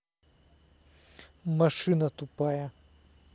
машина тупая